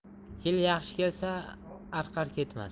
yil yaxshi kelsa arqar ketmas